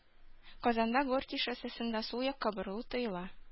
Казанда Горький шоссесында сул якка борылу тыела.